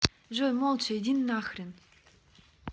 джой молча иди нахрен